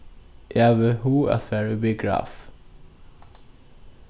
eg havi hug at fara í biograf